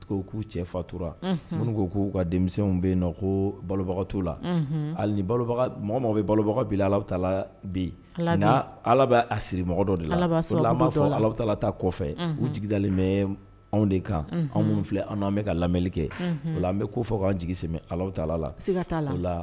K'u cɛ fatura minnu ko kou ka denmisɛn bɛ yen nɔ ko balobaga tu la ali mɔgɔ bɛ balobaga bibu taa bi ala bɛ a siri mɔgɔ dɔ de la fɔ ala bɛla ta kɔfɛ u jiginda bɛ anw de kan anw filɛ an an bɛ ka lamɛnli kɛ an bɛ ko fɔ k'an jigi sɛ ala bɛ taa la ka la